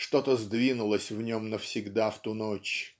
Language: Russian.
Что-то сдвинулось в нем навсегда в ту ночь